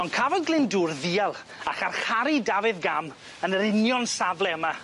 On' cafodd Glyndŵr ddial a charcharu Dafydd Gam yn yr union safle yma.